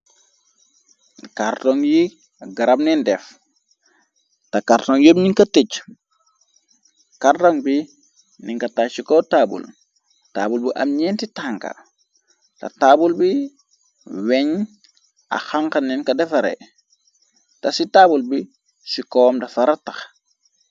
Kartong yi garab neen def, te kartong yob ni ka tej. Kartong bi ninga taj ci kow taabul, taabul bu am ñenti tanga, te taabul bi weñ ak xanxa neen ka defare. Te ci taabul bi ci kowam daffa ratax.